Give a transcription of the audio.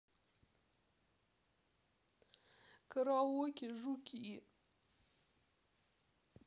караоке жуки